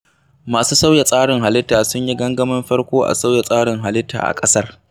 Masu sauya tsarin halitta sun yi gangamin farko a sauya tsarin halitta a ƙasar.